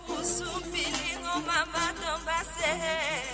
Nseminiba baɔnɔ bɛ se